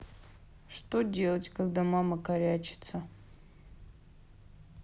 что делать когда мама корячится